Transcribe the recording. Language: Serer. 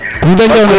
ku de njaw na rek